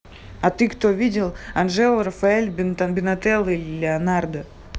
а ты кто видел анжела рафаэль бенателло или леонардо